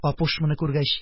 Апуш, моны күргәч: